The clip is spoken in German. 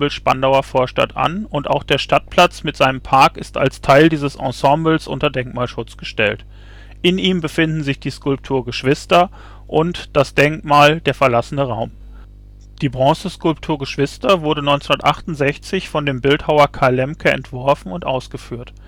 Spandauer Vorstadt an und auch der Stadtplatz mit seinem Park ist als Teil dieses Ensembles unter Denkmalschutz gestellt. In ihm finden sich die Skulptur „ Geschwister “und das „ Denkmal Der verlassene Raum “. Die Bronzeskulptur „ Geschwister “wurde 1968 von dem Bildhauer Karl Lemke entworfen und ausgeführt